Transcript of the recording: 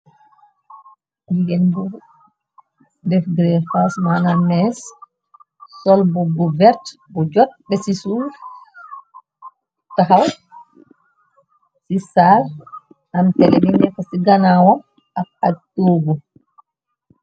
Jigéen bu def grefas, manam mes, sol mbubu bu vert bu jot be suuf, taxaw ci saal am tele bénéka ci ganawam ak ak toogu.